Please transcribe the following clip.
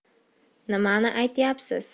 nimani aytyapsiz